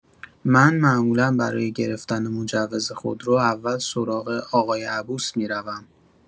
من معمولا برای گرفتن مجوز خودرو اول سراغ آقای عبوس می‌روم.